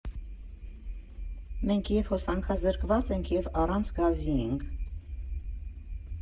Մենք և՛ հոսանքազրկված ենք, և՛ առանց գազի ենք։